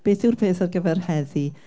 Beth yw'r peth ar gyfer heddi?